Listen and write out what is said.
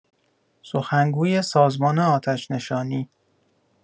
سخنگوی سازمان آتش‌نشانی